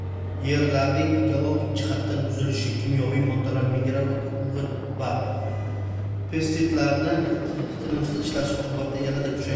yerlarning ekologik jihatdan buzilishi kimyoviy moddalar mineral o'g'it va pestitsidlarni tinimsiz ishlatish oqibatida yanada kuchaymoqda